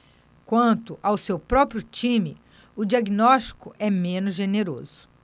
quanto ao seu próprio time o diagnóstico é menos generoso